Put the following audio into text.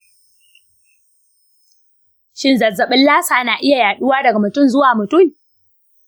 shin zazzabin lassa na iya yaɗuwa daga mutum zuwa mutum?